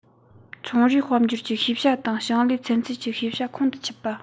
ཚོང རའི དཔལ འབྱོར གྱི ཤེས བྱ དང ཞིང ལས ཚན རྩལ གྱི ཤེས བྱ ཁོང དུ ཆུད པ